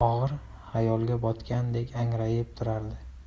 u og'ir xayolga botgandek angrayib turardi